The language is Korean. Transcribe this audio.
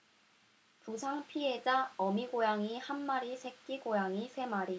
부상 피해자 어미 고양이 한 마리 새끼 고양이 세 마리